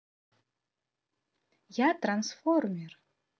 я трансформер